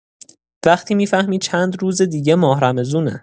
وقتی می‌فهمی چند روز دیگه ماه رمضونه!